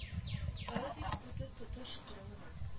Ы дип куйды тотыш коры гына